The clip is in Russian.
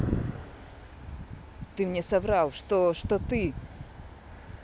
ты мне соврал что что ты